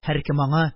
Һәркем аңа: